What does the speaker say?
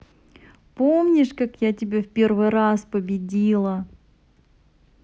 помнишь как я тебя в первый раз победила